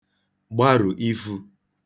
gbarụ ifu